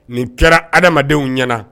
Nin kɛra adamadenw ɲɛnaana